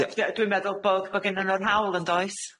Ie ie dwi'n meddwl bo' bo' gennyn nw'n hawl yndoes?